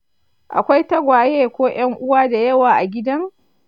akwai tagwaye ko ‘yan uwa dayawa a gidan?